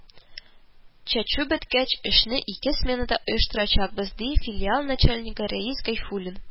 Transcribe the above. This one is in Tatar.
– чәчү беткәч, эшне ике сменада оештырачакбыз, – ди филиал начальнигы рәис гайфуллин